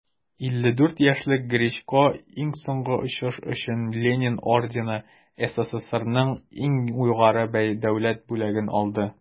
54 яшьлек гречко иң соңгы очыш өчен ленин ордены - сссрның иң югары дәүләт бүләген алды.